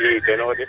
i tenoo de